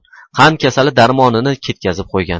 qand kasali darmonini ketkazib qo'ygan